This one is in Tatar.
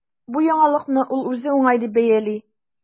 Бу яңалыкны ул үзе уңай дип бәяли.